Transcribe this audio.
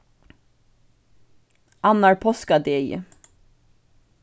annar páskadegi